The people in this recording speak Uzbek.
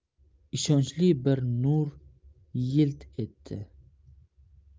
ishonchli bir nur yilt etdi